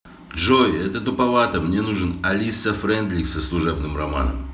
джой это туповато мне нужен алиса френдлих со служебным романом